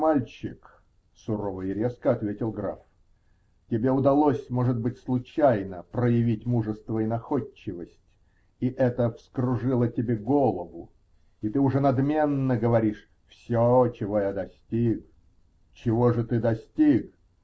-- Мальчик, -- сурово и резко ответил граф, -- тебе удалось, может быть случайно, проявить мужество и находчивость, и это вскружило тебе голову, и ты уже надменно говоришь: все, чего я достиг. Чего же ты достиг?